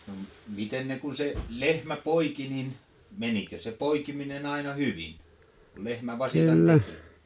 no miten ne kun se lehmä poiki niin menikö se poikiminen aina hyvin kun lehmä vasikan teki